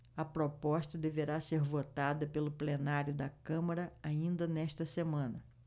a proposta deverá ser votada pelo plenário da câmara ainda nesta semana